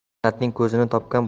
mehnatning ko'zini topgan